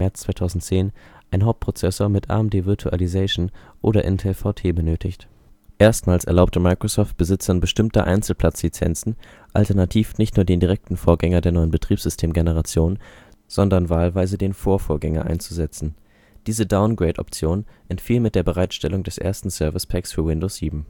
2010 ein Hauptprozessor mit AMD Virtualization oder Intel VT benötigt. Erstmals erlaubte Microsoft Besitzern bestimmter Einzelplatzlizenzen, alternativ nicht nur den direkten Vorgänger der neuen Betriebssystem-Generation, sondern wahlweise den Vorvorgänger einzusetzen. Diese Downgrade-Option entfiel mit der Bereitstellung des ersten Service Packs für Windows 7.